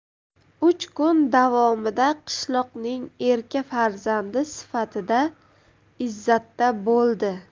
uch kun davomida qishloqning erka farzandi sifatida izzatda bo'ldi